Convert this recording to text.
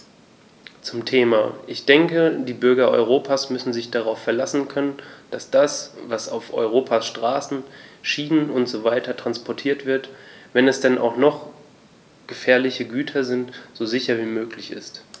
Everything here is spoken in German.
Zum Thema: Ich denke, die Bürger Europas müssen sich darauf verlassen können, dass das, was auf Europas Straßen, Schienen usw. transportiert wird, wenn es denn auch noch gefährliche Güter sind, so sicher wie möglich ist.